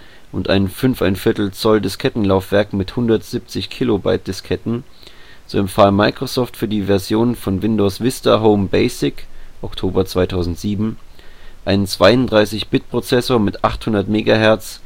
und ein 5¼-Zoll-Diskettenlaufwerk mit 170-KB-Disketten, so empfahl Microsoft für die Version von Windows Vista Home Basic (Oktober 2007) einen 32-Bit-Prozessor mit 800 MHz